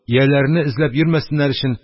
Ияләрене эзләп йөрмәсеннәр өчен,